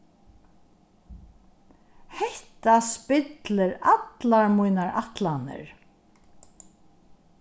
hetta spillir allar mínar ætlanir